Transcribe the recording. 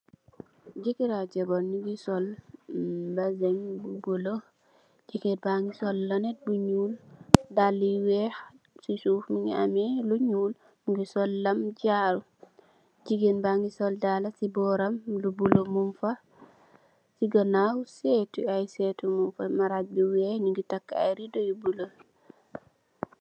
Jekarr ak jabarr nuge sol mazin bu bulo jekarr bage sol lunet bu nuul dalle yu weex se suuf muge ameh lu nuul muge sol lam jaaru jegain be bage sol dalle se boram lu bulo mugfa se ganaw setu aye setu mugfa marage bu weex nuge take aye redou yu bulo.